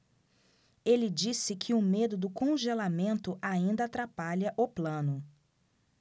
ele disse que o medo do congelamento ainda atrapalha o plano